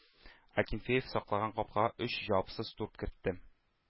Акинфеев саклаган капкага өч җавапсыз туп кертте.